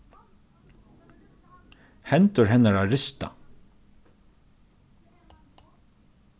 hendur hennara rista